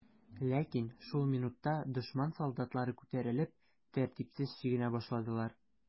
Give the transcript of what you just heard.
Ләкин шул минутта дошман солдатлары күтәрелеп, тәртипсез чигенә башладылар.